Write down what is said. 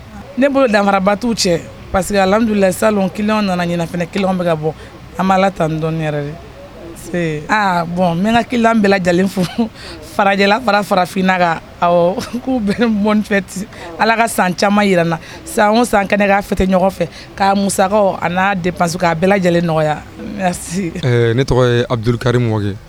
Ne bolo danrabatu cɛ parce quesekedula salon kelenw nana ɲɛna kelen bɛ ka bɔ an' ala tan dɔnni yɛrɛ bɔn n kilan bɛɛ lajɛlen fu farajɛla fara farafinna kan k'u bɛfɛti ala ka san caman jira n na san san kɛnɛ' fɛ tɛ ɲɔgɔn fɛ k' musakaw a n'a de panse' bɛɛ lajɛlen nɔgɔya ne tɔgɔ yebuduka